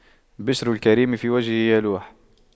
بِشْرُ الكريم في وجهه يلوح